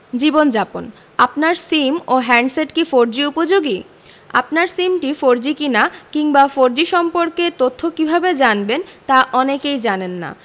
জীবনযাপন আপনার সিম ও হ্যান্ডসেট কি ফোরজি উপযোগী আপনার সিমটি ফোরজি কিনা কিংবা ফোরজি সম্পর্কে তথ্য কীভাবে জানবেন তা অনেকেই জানেন না